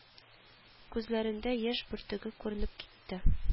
Күзләрендә яшь бөртеге күренеп китте